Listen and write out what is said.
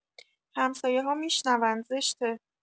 همسایه‌ها می‌شنون زشته.